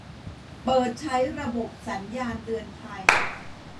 เปิดใช้ระบบสัญญาณเตือนภัย